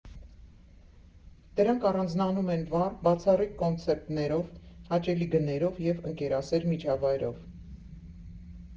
Դրանք առանձնանում են վառ, բացառիկ կոնցեպտներով, հաճելի գներով և ընկերասեր միջավայրով։